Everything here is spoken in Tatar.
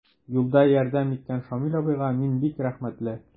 Юлда ярдәм иткән Шамил абыйга мин бик рәхмәтле.